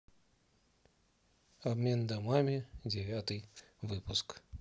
обмен домами девятый выпуск